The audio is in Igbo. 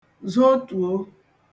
zotùo